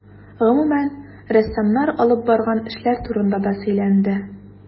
Гомүмән, рәссамнар алып барган эшләр турында да сөйләнде.